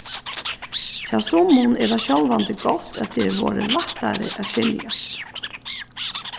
hjá summum er tað sjálvandi gott at tað er vorðið lættari at skiljast